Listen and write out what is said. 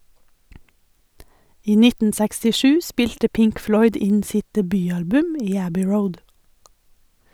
I 1967 spilte Pink Floyd inn sitt debutalbum i Abbey Road.